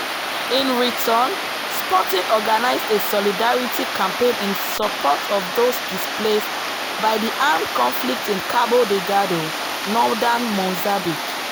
In return, Sporting organized a solidarity campaign in support of those displaced by the armed conflict in Cabo Delgado, northern Mozambique.